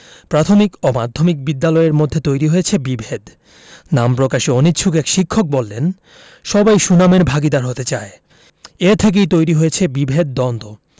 প্রাথমিক ও মাধ্যমিক বিদ্যালয়ের মধ্যে তৈরি হয়েছে বিভেদ নাম প্রকাশে অনিচ্ছুক এক শিক্ষক বললেন সবাই সুনামের ভাগীদার হতে চায় এ থেকেই তৈরি হয়েছে বিভেদ দ্বন্দ্ব